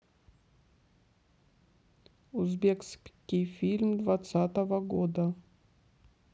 узбекский фильм двадцатого года